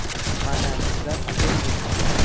mana bizlar keldik